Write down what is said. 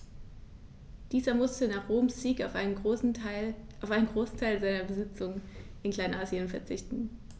Dieser musste nach Roms Sieg auf einen Großteil seiner Besitzungen in Kleinasien verzichten.